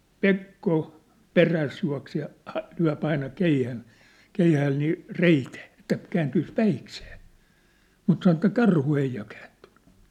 Pekko perässä juoksee ja - lyö aina keihään keihäällä niin reiteen että kääntyisi päikseen mutta sanoi että karhu ei ja kääntynyt